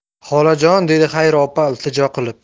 xolajon dedi xayri opa iltijo qilib